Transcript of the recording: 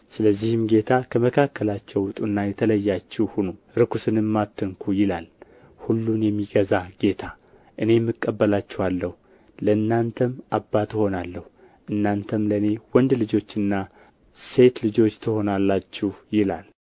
ስለዚህም ጌታ ከመካከላቸው ውጡና የተለያችሁ ሁኑ ርኵስንም አትንኩ ይላል ሁሉንም የሚገዛ ጌታ እኔም እቀበላችኋለሁ ለእናንተም አባት እሆናለሁ እናንተም ለእኔ ወንድ ልጆችና ሴት ልጆች ትሆናላችሁ ይላል